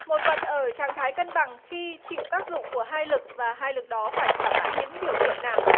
một vật ở trạng thái cân bằng khi chịu tác dụng của hai lực và hai lực đó phải thỏa mãn những điều kiện nào